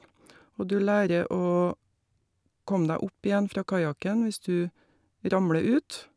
Og du lærer å komme deg opp igjen fra kajakken hvis du ramler ut.